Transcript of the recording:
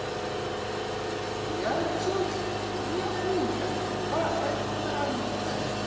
я чуть не умер два экстрадент